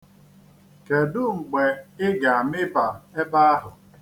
Kedụ mgbe ị ga-amịba ebe ahụ?